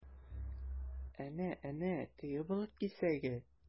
Әнә-әнә, теге болыт кисәге?